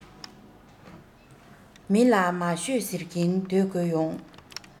མི ལ མ ཤོད ཟེར གྱིན སྡོད དགོས ཡོང